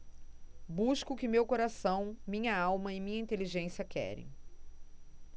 busco o que meu coração minha alma e minha inteligência querem